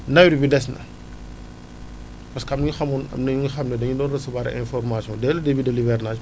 nawet wi des na parce que am na ñu xamoon am na ñi nga xam ne dañu doon recevoir ay informations dès le début de l' hivernage